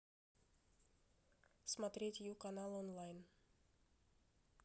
смотреть ю канал онлайн